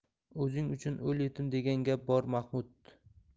o'zing uchun o'l yetim degan gap bor mahmud